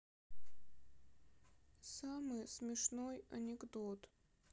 самый смешной анекдот